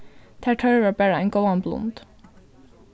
tær tørvar bara ein góðan blund